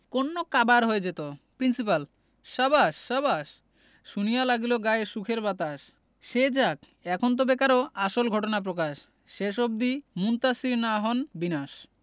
কন্মকাবার হয়ে যেত প্রিন্সিপাল সাবাস সাবাস শুনিয়া লাগিল গায়ে সুখের বাতাস সে যাক এখন তবে করো আসল ঘটনা প্রকাশ শেষ অবধি মুনতাসীর না হন বিনাশ